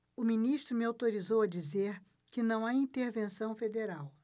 o ministro me autorizou a dizer que não há intervenção federal